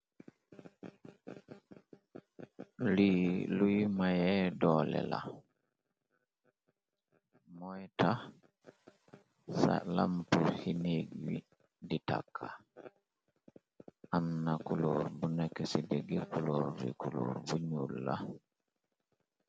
Luy maye doole la moyta ca lamp xineeg wi di tàkka. Amna kuluor bu nekk ci déggi kulóor riculóor bu nul la.